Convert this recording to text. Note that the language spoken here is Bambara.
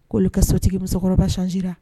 K'olu ka sotigi musokɔrɔbacji